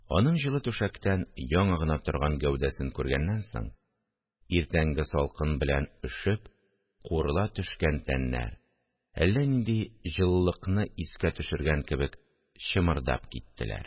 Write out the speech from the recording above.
Аның җылы түшәктән яңа гына торган гәүдәсен күргәннән соң, иртәнге салкын белән өшеп, куырыла төшкән тәннәр, әллә нинди җылылыкны искә төшергән кебек, чымырдап киттеләр